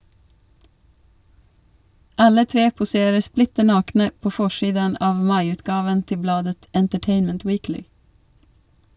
Alle tre poserer splitter nakne på forsiden av maiutgaven til bladet Entertainment Weekly.